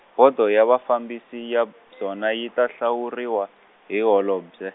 Bodo ya Vafambisi ya byona yi ta hlawuriwa, hi holobye.